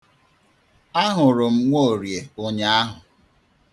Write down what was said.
Ahụrụ m Nwoorie ụnyaahụ.